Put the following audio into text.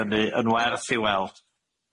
hynny yn werth i weld,